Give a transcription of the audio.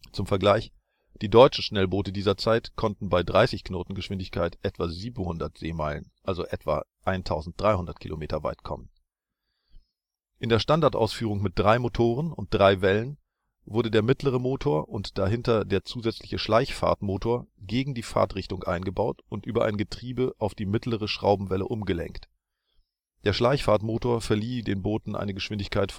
Zum Vergleich: die deutschen Schnellboote dieser Zeit konnten bei 30 kn etwa 700 sm (≈1 300 km) weit kommen.) In der Standardausführung mit drei Motoren und drei Wellen wurden der mittlere Motor und der zusätzliche Schleichfahrtmotor hinter den beiden äußeren Motoren gegen die Fahrtrichtung eingebaut und über ein Getriebe auf die mittlere Schraubenwelle umgelenkt. Der Schleichfahrtmotor verlieh den Booten eine Geschwindigkeit